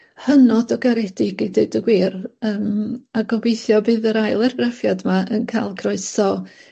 hynod o garedig i deud y gwir, yym a gobeithio bydd yr ail argraffiad 'ma yn ca'l croeso